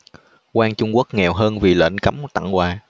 quan trung quốc nghèo hơn vì lệnh cấm tặng quà